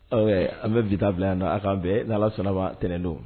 An bɛ bi taa bila yan na a'an bɛɛ n' ala sɔnnaba tɛnɛn don